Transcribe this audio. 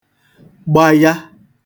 gbaya